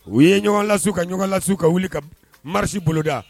U ye ɲɔgɔnla ka ɲɔgɔn la ka wuli ka marisi boloda